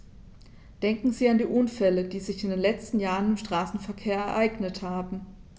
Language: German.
Denken Sie an die Unfälle, die sich in den letzten Jahren im Straßenverkehr ereignet haben.